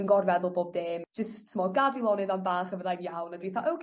yn gorfeddwl bob dim jyst t'mo' gad fi lonydd am bach a fyddai'n iawn a fi 'tha oce.